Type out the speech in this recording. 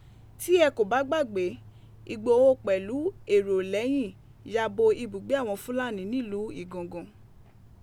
Ti ẹ ko ba gbagbe, Igboho pẹlu ero lẹyin yabo ibugbe awọn Fulani niluu Igangan.